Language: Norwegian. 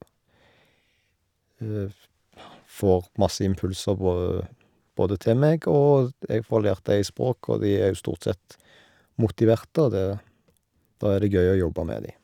Får masse impulser båe både til meg, og jeg får lært de språk, og de er jo stort sett motiverte, og det da er det gøy å jobbe med de.